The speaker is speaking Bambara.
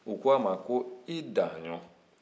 u ko a ma ko i daɲɔn